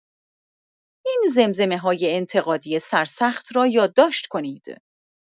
این زمرمه‌های انتقادی سرسخت را یادداشت کنید.